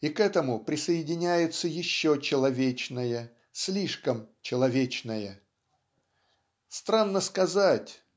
и к этому присоединяется еще человечное слишком человечное. Странно сказать